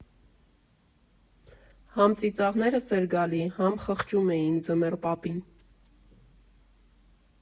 Հա՛մ ծիծաղներս էր գալիս, հա՛մ խղճում էինք Ձմեռ պապին։